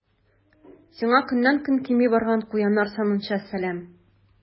Сиңа көннән-көн кими барган куяннар санынча сәлам.